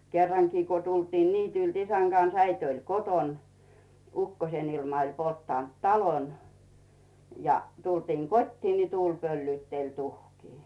kerrankin kun tultiin niityltä isän kanssa äiti oli kotona ukkosen ilma oli polttanut talon ja tultiin kotiin niin tuuli pöllytteli tuhkia